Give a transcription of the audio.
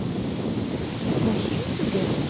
Мөһим түгел.